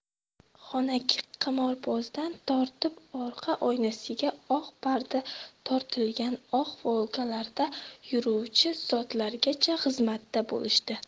xonaki qimorbozdan tortib orqa oynasiga oq parda tortilgan oq volga larda yuruvchi zotlargacha xizmatda bo'lishdi